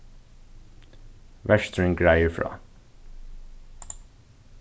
verturin greiðir frá